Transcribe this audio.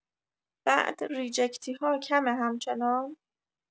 بعد ریجکتی‌ها کمه همچنان؟